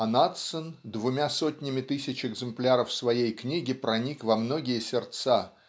а Надсон двумя сотнями тысяч экземпляров своей книги проник во многие сердца